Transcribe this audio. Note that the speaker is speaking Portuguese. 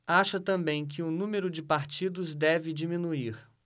acha também que o número de partidos deve diminuir